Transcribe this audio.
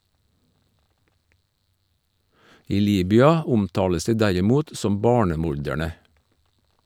I Libya omtales de derimot som «barnemorderne».